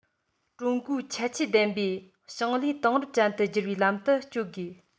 ཀྲུང གོའི ཁྱད ཆོས ལྡན པའི ཞིང ལས དེང རབས ཅན དུ སྒྱུར བའི ལམ དུ སྐྱོད དགོས